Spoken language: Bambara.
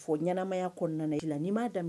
Fɔ ɲɛnamaya kɔnɔna na i nin m'a daminɛ